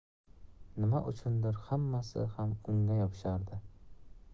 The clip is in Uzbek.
nima uchundir hammasi ham unga yopishardi